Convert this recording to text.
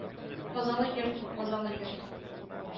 Казалы йорт бу казалы йорт